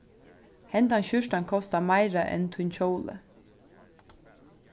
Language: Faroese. hendan skjúrtan kostar meira enn tín kjóli